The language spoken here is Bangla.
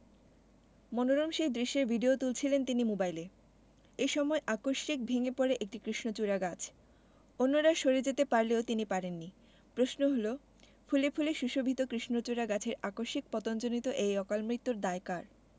মনোরম সেই দৃশ্যের ভিডিও তুলছিলেন তিনি মোবাইলে এ সময় আকস্মিক ভেঙ্গে পড়ে একটি কৃষ্ণচূড়া গাছ অন্যরা সরে যেতে পারলেও তিনি পারেননি প্রশ্ন হলো ফুলে ফুলে সুশোভিত কৃষ্ণচূড়া গাছের আকস্মিক পতনজনিত এই অকালমৃত্যুর দায় কার